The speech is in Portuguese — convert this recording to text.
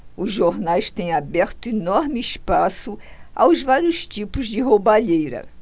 os jornais têm aberto enorme espaço aos vários tipos de roubalheira